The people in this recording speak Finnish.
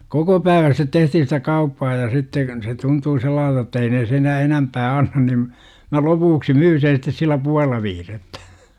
koko päivä sitten tehtiin sitä kauppaa ja sitten se tuntui sellaiselta että ei ne sen enempää anna niin minä lopuksi myin sen sitten sillä puolella viidettä